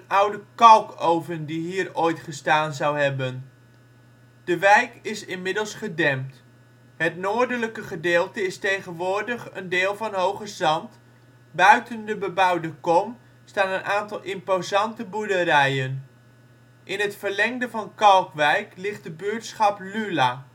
oude kalkoven die hier ooit gestaan zou hebben. De wijk is inmiddels gedempt. Het noordelijke gedeelte is tegenwoordig een deel van Hoogezand, buiten de bebouwde kom staan een aantal imposante boerderijen. In het verlengde van Kalkwijk ligt de buurtschap Lula